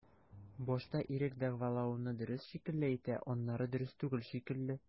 Башта ирек дәгъвалауны дөрес шикелле әйтә, аннары дөрес түгел шикелле.